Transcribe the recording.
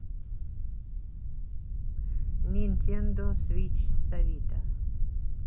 nintendo switch савита